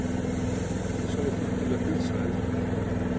vit sóu fólk grilla pylsur á eldinum